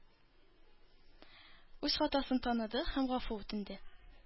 Үз хатасын таныды һәм гафу үтенде.